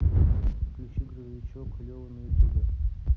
включи грузовичок лева на ютюбе